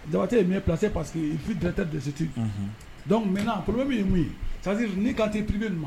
Jabatɛ est mieux placé parce qu'il fut directeur des études . Unhun. Donc maintenant, problème ye min ye mun ye c'est à dire ne kan tɛ privée ninnu ma.